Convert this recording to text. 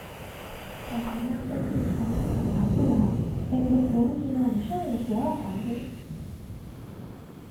ข้อยก็มักไปซื้อของอยู่ตลาดอยู่ล่ะ ไปอุดหนุนพี่น้องก็ตั่ว เฒ่า